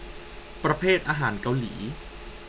ประเภทอาหารเกาหลี